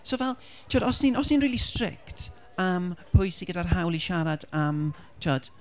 So fel, timod os ni- os ni'n really strict am pwy sy gyda'r hawl i siarad am, tibod...